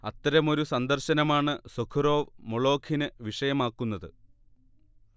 അത്തരമൊരു സന്ദർശനമാണ് സൊഖുറോവ് 'മൊളോഖി'ന് വിഷയമാക്കുന്നത്